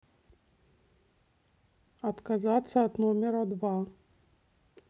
отказаться от номера два